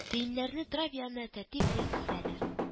Төеннәрне трап янына тәртип белән тезәләр